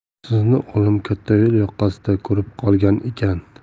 sizni o'g'lim katta yo'l yoqasida ko'rib qolgan ekan